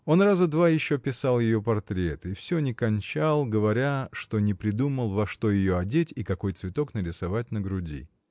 Он раза два еще писал ее портрет и всё не кончал, говоря, что не придумал, во что ее одеть и какой цветок нарисовать на груди.